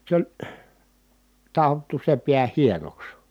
se oli taottu se pää hienoksi